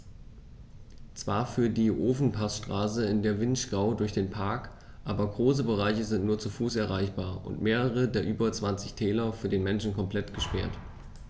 Zwar führt die Ofenpassstraße in den Vinschgau durch den Park, aber große Bereiche sind nur zu Fuß erreichbar und mehrere der über 20 Täler für den Menschen komplett gesperrt.